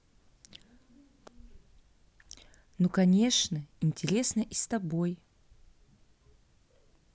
ну конечно интересно и с тобой